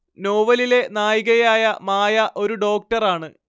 നോവലിലെ നായികയായ മായ ഒരു ഡോക്ടറാണ്